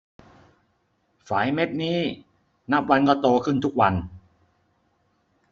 ไฝเม็ดนี้นับวันก็โตขึ้นทุกวัน